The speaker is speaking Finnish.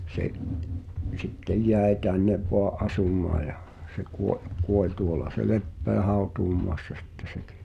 se sitten jäi tänne vain asumaa ja se - kuoli tuolla se lepää hautausmaassa sitten sekin joo